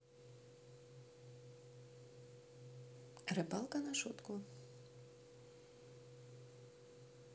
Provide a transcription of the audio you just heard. рыбалка на шутку